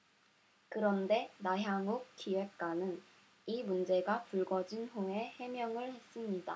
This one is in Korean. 그런데 나향욱 기획관은 이 문제가 불거진 후에 해명을 했습니다